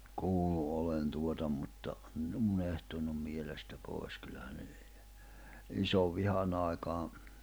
kuullut olen tuota mutta niin on unohtunut mielestä pois kyllähän ne niitä isonvihan aikaa